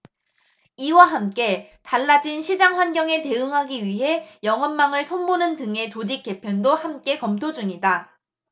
이와 함께 달라진 시장환경에 대응하기 위해 영업망을 손보는 등의 조직 개편도 함께 검토 중이다